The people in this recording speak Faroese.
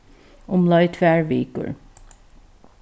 umleið tvær vikur